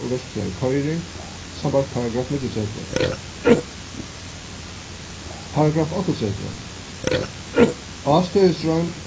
og verkligari koyring sambært paragraff níggjuogtretivu paragraff áttaogtretivu ástøðisroynd